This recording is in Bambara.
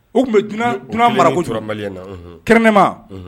O tun bɛ dunan maray na kɛrɛn nema